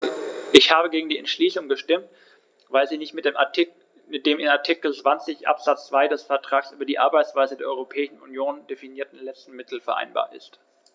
Ich habe gegen die Entschließung gestimmt, weil sie nicht mit dem in Artikel 20 Absatz 2 des Vertrags über die Arbeitsweise der Europäischen Union definierten letzten Mittel vereinbar ist.